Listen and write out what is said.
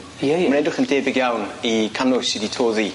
Ie ie. Ma'n edrych yn debyg iawn i cannwyll sy 'di toddi.